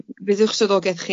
Beth yw'ch swyddogaeth chi?